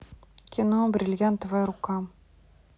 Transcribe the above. кино бриллиантовая рука